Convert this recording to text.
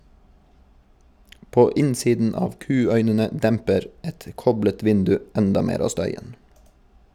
På innsiden av kuøynene demper et koblet vindu enda mer av støyen.